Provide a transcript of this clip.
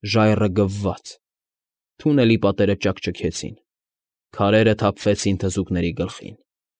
Ժայռը գվվաց, թունելի պատերը ճաքճքեցին, քարերը թափվեցին թզուկների գլխին։